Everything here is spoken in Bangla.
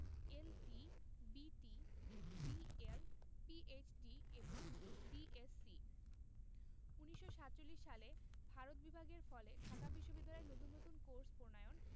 এল.টি বি.টি বি.এল পিএইচ.ডি এবং ডিএস.সি ১৯৪৭ সালে ভারত বিভাগের ফলে ঢাকা বিশ্ববিদ্যালয়ে নতুন নতুন কোর্স প্রণয়ন